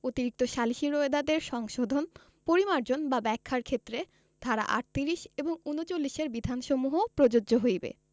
অতিরিক্ত সালিসী রোয়েদাদ এর সংশোধন পরিমার্জন বা ব্যাখ্যার ক্ষেত্রে ধারা ৩৮ এবং ৩৯ এর বিধানসমূহ প্রযোজ্য হইবে